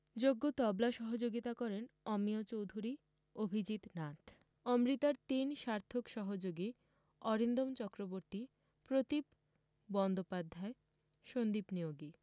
যোগ্য তবলা সহযোগিতা করেন অমিয় চোধুরী অভিজিত নাথ অমৃতার তিন সার্থক সহযোগী অরিন্দম চক্রবর্তী প্রতীপ বন্দ্যোপাধ্যায় সন্দীপ নিয়োগী